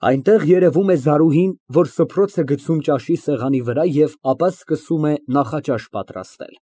Այնտեղ երևում է Զարուհին, որ սփռոց է գցում ճաշի սեղանի վրա և ապա սկսում է նախաճաշ պատրաստել։